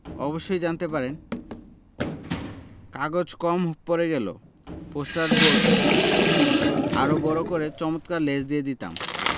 অবশ্যই জানতে পারেন কাগজ কম পড়ে গেল পোস্টার বোর্ড আয়ে বড় হলে চমৎকার লেজ দিয়ে দিতাম